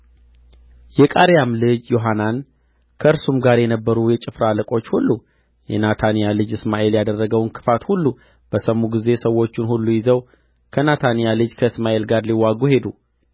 የቃሬያም ልጅ ዮሐናን ከእርሱም ጋር የነበሩ የጭፍራ አለቆች ሁሉ የናታንያ ልጅ እስማኤል ያደረገውን ክፋት ሁሉ በሰሙ ጊዜ ሰዎቹን ሁሉ ይዘው ከናታንያ ልጅ ከእስማኤል ጋር ሊዋጉ ሄዱ